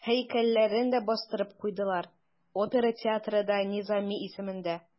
Һәйкәлләрен дә бастырып куйдылар, опера театры да Низами исемендә.